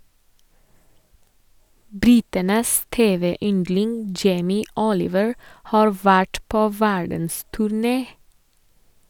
Britenes tv- yndling Jamie Oliver har vært på verdensturné.